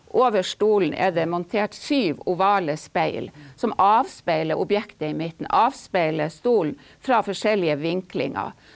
over stolen er det montert syv ovale speil, som avspeiler objektet i midten, avspeiler stolen fra forskjellige vinklinger.